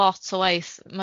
Lot o waith.